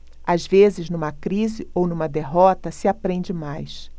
às vezes numa crise ou numa derrota se aprende mais